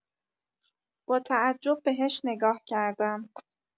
با تعجب بهش نگاه کردم